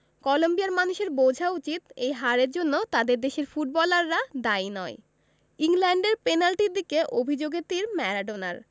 কলম্বিয়ার মানুষের বোঝা উচিত এই হারের জন্য তাদের দেশের ফুটবলাররা দায়ী নয় ইংল্যান্ডের পেনাল্টির দিকে অভিযোগের তির ম্যারাডোনার